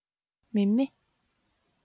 མཱེ མཱེ